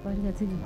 Ba tɛ ma